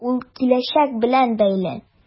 Ул киләчәк белән бәйле.